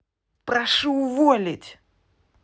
прошу уволить